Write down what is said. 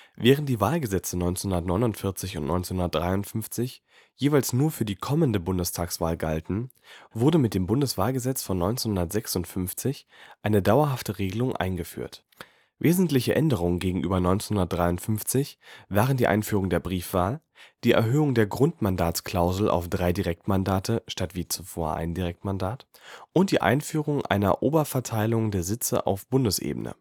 Während die Wahlgesetze 1949 und 1953 jeweils nur für die kommende Bundestagswahl galten, wurde mit dem Bundeswahlgesetz von 1956 eine dauerhafte Regelung eingeführt. Wesentliche Änderungen gegenüber 1953 waren die Einführung der Briefwahl, die Erhöhung der Grundmandatsklausel auf drei Direktmandate (statt wie zuvor ein Direktmandat) und die Einführung einer Oberverteilung der Sitze auf Bundesebene